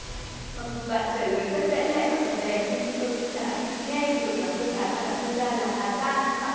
mặc dù bạn trả lời rất bẽn lẽn và rụt rè nhưng tôi cũng đã kịp nghe được phương án mà bạn đưa ra là hà giang đúng không ạ